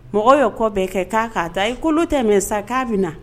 Mɔgɔ ye kɔ bɛ kɛ k'a k'a ta i kolo tɛ mɛ sa k'a bɛ na